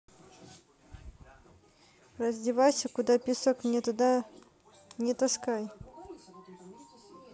раздевайся куда песок мне туда не таскай